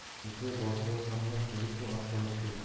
qidiruvchilar boshlig'i hamdam tolipov axborot berdi